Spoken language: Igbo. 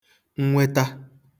nnweta